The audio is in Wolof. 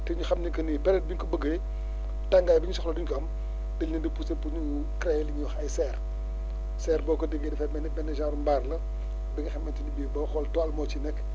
te ñu xam ne que ni période bi nga ko bëggee tàngaay bi ñu soxla du ñu ko am dañ leen di pousser pour ñun ñu créer li ñuy wax ay cerf cerf boo ko déggee dafay mel ne benn genre mbaar la bi nga xamante ne bii booy xool toile moo ciy nekk